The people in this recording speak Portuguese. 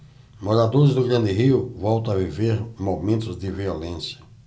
moradores do grande rio voltam a viver momentos de violência